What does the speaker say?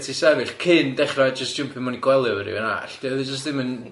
lle ti'n sefyll cyn dechrau jyst jympio mewn i gwely efo rywun arall dy- o'dd o jyst ddim yn